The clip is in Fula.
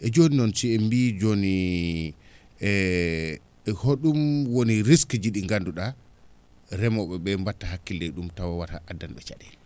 e jooni noon so en mbiyii jooni e hoɗum woni risque ji ɗi naganduɗa remooɓe ɓee mbatta hakkille e ɗum tawa wata addan ɓe caɗeele